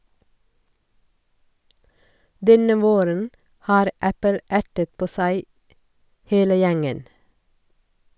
Denne våren har Apple ertet på seg hele gjengen.